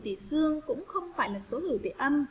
dương cũng không phải là số hữu tỉ âm